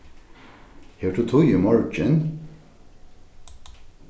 hevur tú tíð í morgin